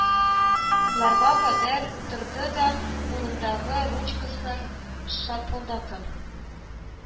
Ларга кадәр утырды да кулындагы ручкасын шапылдатып